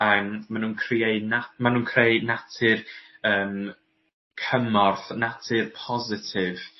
a ma' nw'n creu na-- ma' nw'n creu natur yym cymorth natur positif